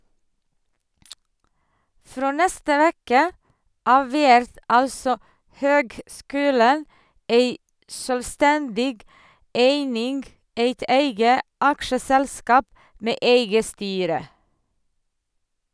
Frå neste veke av vert altså høgskulen ei sjølvstendig eining, eit eige aksjeselskap med eige styre.